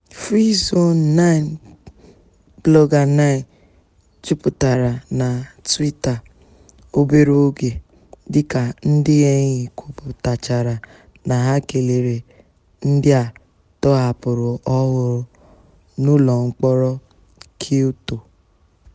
#FreeZone9Blogger9 jupụtara na Twitter obere oge dịka ndị enyi kwupụtachara na ha kelere ndị a tọhapụrụ ọhụrụ n'ụlọmkpọrọ Kilnto.